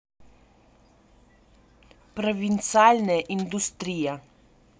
провинциальная индустрия